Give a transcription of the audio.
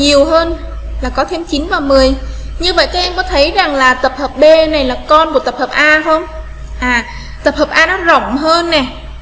nhiều hơn là có tháng và như vậy em có thấy rằng là tập hợp b này là con của tập hợp a tập hợp a nóng bỏng hơn nè